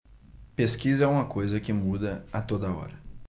pesquisa é uma coisa que muda a toda hora